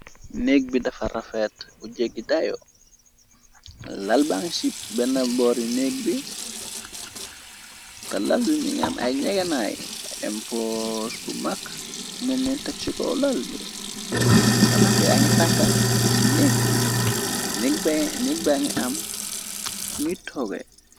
Nekk bi defar rafet be jeggi tayo lal bankship benn boori negg bi te lal bi mi ngan ay njeganaay impoos bu mag moom nen teksiko lal bi talamp ya ngi tàkka ci nekk bi nek ba ngi am funuy tooge.